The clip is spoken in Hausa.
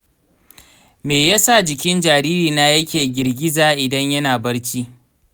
me ya sa jikin jaririna yake girgiza idan yana barci?